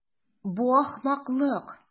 Бу ахмаклык.